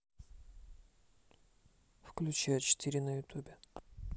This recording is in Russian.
включи а четыре на ютубе